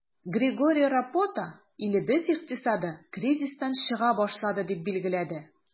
Григорий Рапота, илебез икътисады кризистан чыга башлады, дип билгеләде.